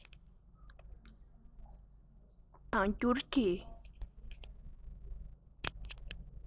ཉམས དང འགྱུར གྱི